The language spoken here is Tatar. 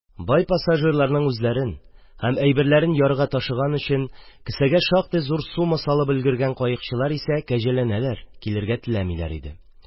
Бай пассажирларның үзләрен һәм әйберләрен ярга ташыган өчен кесәгә шактый зур сума салып өлгергән каекчылар исә кәҗәләнәләр, килергә теләмиләр иде.